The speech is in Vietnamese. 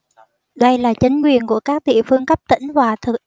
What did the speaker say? đây là chính quyền của các địa phương cấp tỉnh và thành